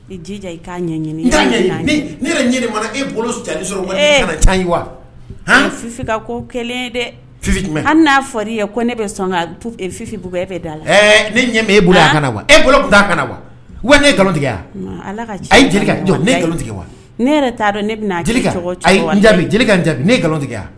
Ija i' ɲɛ ɲinin e bolo wa ko kɛlen dɛ an n'a fɔra i ye ko ne bɛ sɔn ka fi e bɛ da la ne e bolo wa e bolo' na wa wa ne nkalontigiya ne tigɛ wa ne' dɔn ne ka ne nkalon tigɛ wa